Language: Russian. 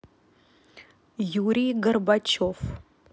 юрий горбачев